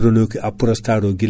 woni awdi samme